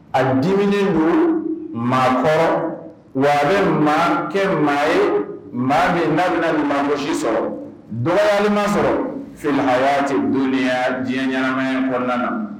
A diminen don maa kɔrɔ, wa a bɛ maakɛ maa ye maa min bɛna lagosi sɔrɔ, dɔgɔyalima sɔrɔ se' fil hayaati dunya dunya diɲɛ ɲɛnamaya. kɔnɔna na